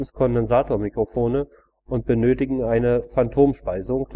Kondensatormikrofone und benötigen eine Phantomspeisung